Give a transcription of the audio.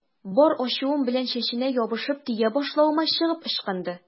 Бар ачуым белән чәченә ябышып, төя башлавыма чыгып ычкынды.